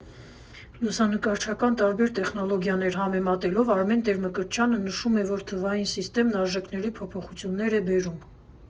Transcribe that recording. Լուսանկարչական տարբեր տեխնոլոգիաներ համեմատելով, Արմեն Տեր֊Մկրտչյանը նշում է, որ թվային սիստեմն արժեքների փոփոխություններ է բերում։